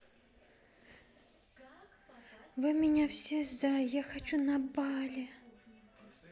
вы меня все зае я хочу на бали